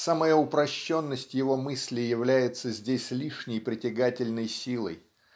самая упрощенность его мысли является здесь лишней притягательной силой.